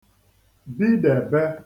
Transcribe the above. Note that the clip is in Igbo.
bidèbe